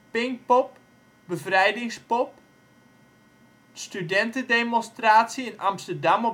Pinkpop Bevrijdingspop studentendemonstratie, Amsterdam